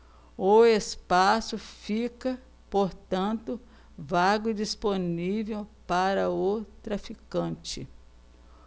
o espaço fica portanto vago e disponível para o traficante